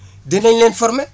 dinañ leen formé